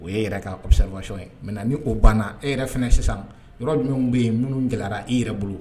O e yɛrɛ ka fisafay ye mɛ ni o banna e yɛrɛ fana sisan yɔrɔ jumɛnw bɛ yen minnu jarayara i yɛrɛ bolo